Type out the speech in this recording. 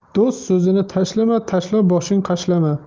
do'st so'zini tashlama tashlab boshing qashlama